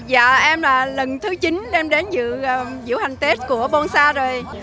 dạ em là lần thứ chín em đến dự diễu hành tết của bôn sa rồi